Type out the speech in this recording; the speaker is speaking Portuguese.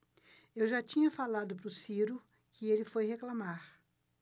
eu já tinha falado pro ciro que ele foi reclamar